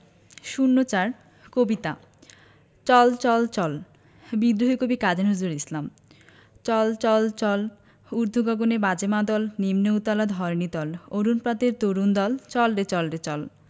০৪ কবিতা চল চল চল বিদ্রোহী কবি কাজী নজরুল ইসলাম চল চল চল ঊর্ধ্ব গগনে বাজে মাদল নিম্নে উতলা ধরণি তল অরুণ প্রাতের তরুণ দল চল রে চল রে চল